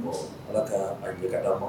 Ala ka ka'a ma